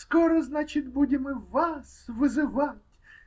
Скоро, значит, будем и вас вызывать.